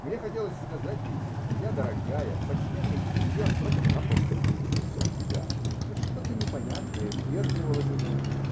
Мне хотелось сказать ей: "Моя дорогая, почтенный синьор просто-напросто влюбился в тебя!" -- но что-то непонятное удерживало меня.